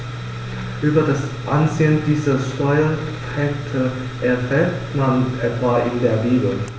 Über das Ansehen dieser Steuerpächter erfährt man etwa in der Bibel.